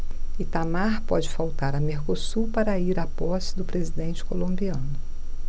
itamar pode faltar a mercosul para ir à posse do presidente colombiano